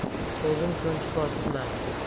o'zim ko'nchi kosibman